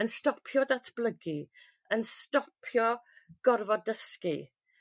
Yn stopio datblygu. Yn stopio gorfod dysgu.